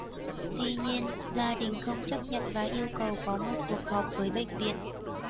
tuy nhiên gia đình không chấp nhận và yêu cầu có một cuộc họp với bệnh viện